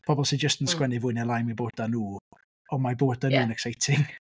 Pobl sy jyst yn... m-hm. ...sgwennu fwy na lai am eu bywydau nhw, ond mae bywydau... ia. ...nhw yn exciting .